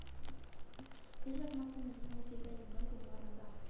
Кулъязмасын милли музейга елның гыйнварында